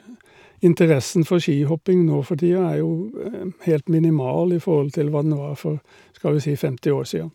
Interessen for skihopping nå for tida er jo helt minimal i forhold til hva den var for skal vi si femti år sia.